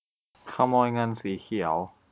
ขโมยเงินสีเขียว